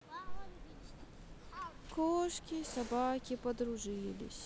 кошки и собаки подружились